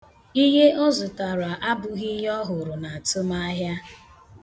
Ihe ọ zụtara abụghị ihe ọ hụrụ n'atụmahịa